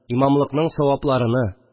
Имамлыкның савапларыны